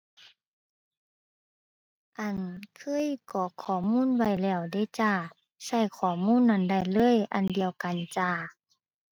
อั่น เคยกรอกข้อมูลไว้แล้วเดะจ้า ใช้ข้อมูลนั้นได้เลย อันเดียวกันจ้า